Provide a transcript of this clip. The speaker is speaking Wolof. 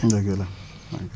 dëgg la